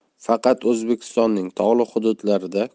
faqat o'zbekistonning tog'li hududlarida